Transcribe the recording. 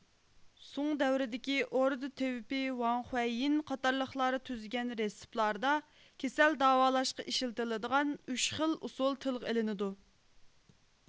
سۇڭ دەۋرىدىكى ئوردا تېۋىپى ۋاڭخۇەييىن قاتارلىقلار تۈزگەن رېتسېپلاردا كېسەل داۋالاشقا ئىشلىتىلىدىغان ئۈچ خىل ئۇسۇل تىلغا ئېلىندۇ